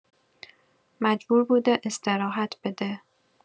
مجبور بوده استراحت بده